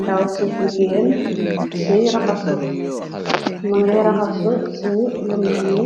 Ndawsu jigeen, si raxasu, mingi raxasu si lu melni